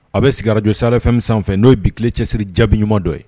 A bɛ sigirajɔ sa fɛn min sanfɛ n'o bii ki cɛsiriri jaabibiɲuman dɔ ye